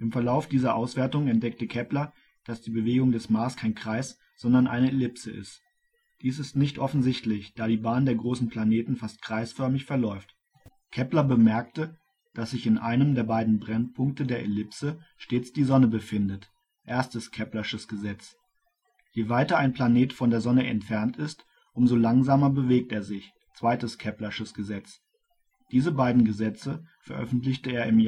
Verlauf dieser Auswertungen entdeckte Kepler, dass die Bewegung des Mars kein Kreis, sondern eine Ellipse ist. Dies ist nicht offensichtlich, da die Bahn der großen Planeten fast kreisförmig verläuft. Kepler bemerkte, dass sich in einem der beiden Brennpunkte der Ellipse stets die Sonne befindet (erstes Keplersches Gesetz). Je weiter ein Planet von der Sonne entfernt ist, um so langsamer bewegt er sich (zweites Keplersches Gesetz). Diese beiden Gesetze veröffentlichte er im